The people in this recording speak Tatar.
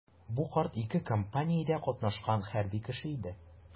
Бу карт ике кампаниядә катнашкан хәрби кеше иде.